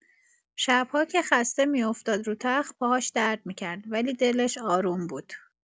شب‌ها که خسته می‌افتاد رو تخت، پاهاش درد می‌کرد، ولی دلش آروم بود.